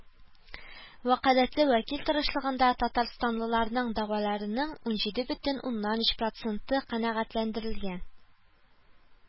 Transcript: Вәкаләтле вәкил тырышлыгында татарстанлыларның дәгъваларының унҗиде бөтен уннан өч проценты канәгатьләндерелгән